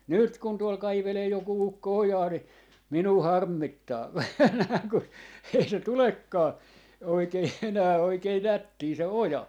nyt kun tuolla kaivelee joku ukko ojaa niin minua harmittaa aina kun ei se tulekaan oikein enää oikein nättiä se oja